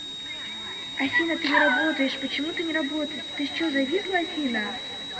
афина ты не работаешь почему ты не работаешь ты че зависла афина